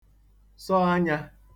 sọ anyā